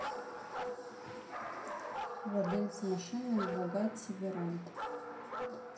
владельцы машины бугатти верон